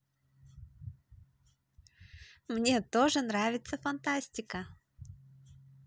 мне тоже нравится фантастика